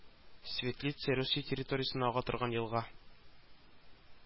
Светлица Русия территориясеннән ага торган елга